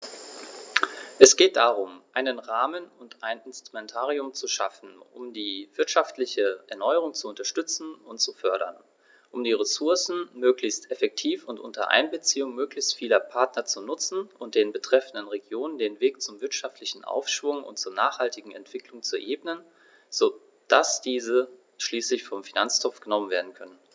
Es geht darum, einen Rahmen und ein Instrumentarium zu schaffen, um die wirtschaftliche Erneuerung zu unterstützen und zu fördern, um die Ressourcen möglichst effektiv und unter Einbeziehung möglichst vieler Partner zu nutzen und den betreffenden Regionen den Weg zum wirtschaftlichen Aufschwung und zur nachhaltigen Entwicklung zu ebnen, so dass diese schließlich vom Finanztropf genommen werden können.